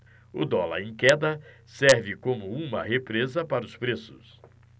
o dólar em queda serve como uma represa para os preços